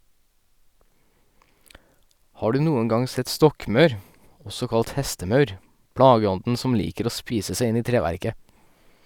Har du noen gang sett stokkmaur, også kalt hestemaur, plageånden som liker å spise seg inn i treverket?